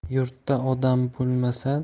yurtda odam bo'lmasa